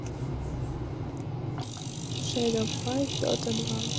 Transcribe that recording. shadow fiend дота два